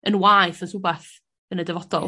yn waeth os wbath yn y dyfodol.